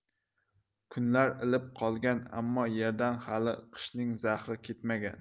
kunlar ilib qolgan ammo yerdan hali qishning zahri ketmagan